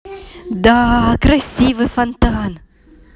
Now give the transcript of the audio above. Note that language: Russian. да красивый фонтан